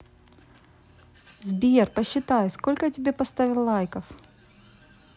сбер посчитай сколько я тебе поставил лайков